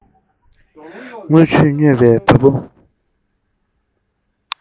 རྔུལ ཆུས མྱོས པའི བ སྤུ